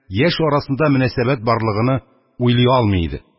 Яшь арасында мөнәсәбәт барлыгыны уйлый алмый иде.